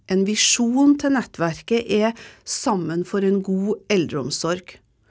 en visjon til nettverket er sammen for en god eldreomsorg.